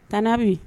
Taa'a min